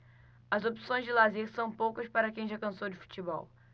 as opções de lazer são poucas para quem já cansou de futebol